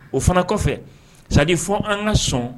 O fana kɔfɛ fɔ an ka sɔn